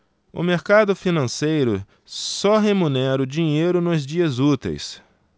o mercado financeiro só remunera o dinheiro nos dias úteis